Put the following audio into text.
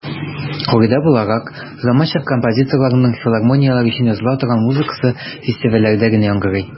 Кагыйдә буларак, заманча композиторларның филармонияләр өчен языла торган музыкасы фестивальләрдә генә яңгырый.